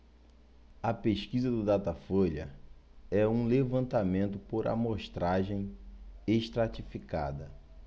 a pesquisa do datafolha é um levantamento por amostragem estratificada